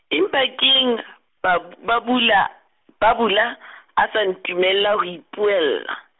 empa keng, Bhab-, Bhabula, Bhabula , a sa ntumella ho ipuella?